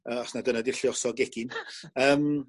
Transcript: Yy os 'na dyna 'di'r lluosog egin. Yym